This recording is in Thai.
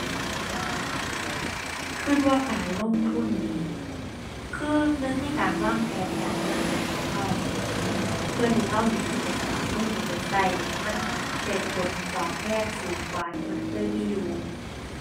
คิดว่าการลงทุนนี้ คือหนึ่งในการวางแผนการเงินของคิด เพื่อที่คิดนี้สิได้เอาเงินนี้ไปคิดให้มันได้ผลตอบแทนสูงกว่าที่มันเคยมีอยู่